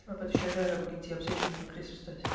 Dwi meddwl bod isio egluro bod gen ti obsesiwn efo crisps, does?